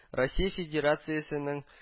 Россия Федерациясенең